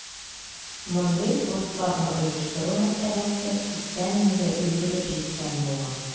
Мондый курсларны оештыру мәсьәләсе күптән инде өлгереп җиткән булган.